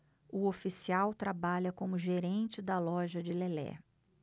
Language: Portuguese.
o oficial trabalha como gerente da loja de lelé